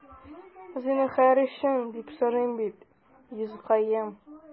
Зинһар өчен, диеп сорыйм бит, йозаккаем...